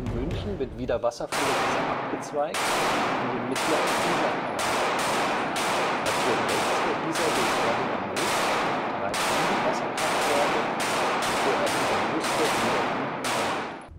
München wird wieder Wasser von der Isar abgezweigt, in den Mittleren-Isar-Kanal. Er führt rechts der Isar durchs Erdinger Moos und treibt sieben Wasserkraftwerke, bevor er hinter Moosburg wieder in die Isar mündet